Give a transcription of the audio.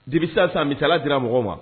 Depuis sisan sisan misaliya dira mɔgɔw ma.